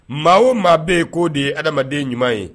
Maa o maa bɛ ye k'o de ye adamadamaden ɲuman ye